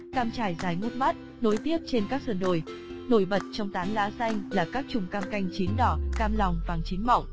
cam trải dài ngút mắt nối tiếp trên các sườn đồi nổi bật trong tán lá xanh là các chùm cam canh chín đỏ cam lòng vàng chín mọng